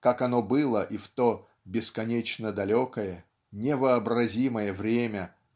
как оно было и в то "бесконечно-далекое невообразимое время